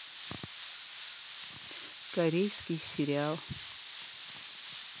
корейский сериал